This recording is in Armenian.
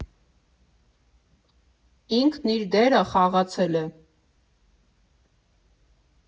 Ինքն իր դերը խաղացել է։